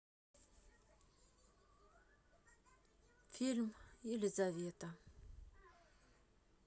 фильм елизавета